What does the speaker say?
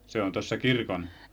se on tuossa -